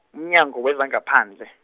uMnyango wezangaPhandle.